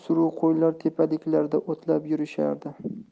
qo'ylar tepaliklarda o'tlab yurishardi